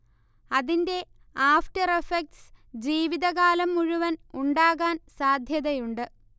അതിന്റെ after effects ജീവിതകാലം മുഴുവൻ ഉണ്ടാകാൻ സാധ്യതയുണ്ട്